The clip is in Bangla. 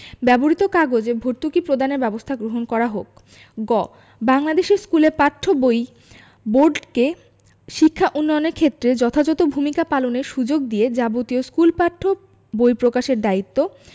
ব্যবহৃত কাগজে ভর্তুকি প্রদানের ব্যবস্থা গ্রহণ করা হোক গ বাংলাদেশের স্কুলে পাঠ্য বই বোর্ডকে শিক্ষা উন্নয়নের ক্ষেত্রে যথাযথ ভূমিকা পালনের সুযোগ দিয়ে যাবতীয় স্কুল পাঠ্য বই প্রকাশের দায়িত্ব